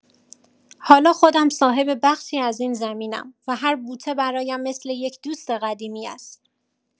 حالا خودم صاحب بخشی از این زمینم و هر بوته برایم مثل یک دوست قدیمی است.